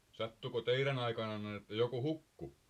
sattuiko teidän aikananne että joku hukkui